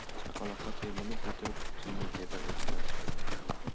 chaqaloqqa termulib o'tirib tunni bedor o'tkazishdi